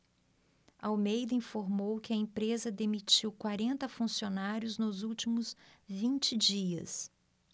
almeida informou que a empresa demitiu quarenta funcionários nos últimos vinte dias